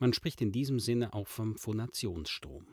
spricht in diesem Sinne auch vom Phonationsstrom